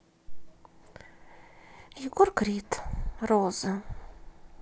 егор крид розы